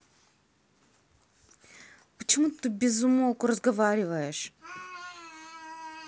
почему ты безумолку разговариваешь